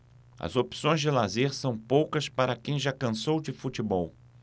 as opções de lazer são poucas para quem já cansou de futebol